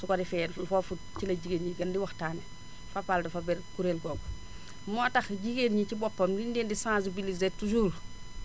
su ko defee foofu ci la jigéen éni gën di waxtaane Fapal dafa ber kuréel googu moo tax jigéen éni ci boppam li ñu leen di sensibilisé toujours